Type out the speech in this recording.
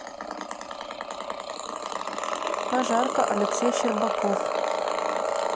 прожарка алексей щербаков